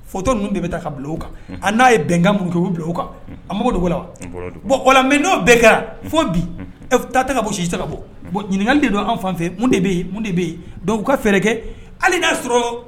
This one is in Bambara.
Fɔtuon ninnu de bɛ taa ka bulon kan a n'a ye bɛnkan minnu kɛ u bɛ bulon kan a mako de la wa bon ola mɛ'o bɛɛ kɛra fo bi ta taga bɔ si ta ka bɔ ɲininka de don an fan fɛ de bɛ de bɛ yen dɔw ka fɛɛrɛ kɛ hali n'a sɔrɔ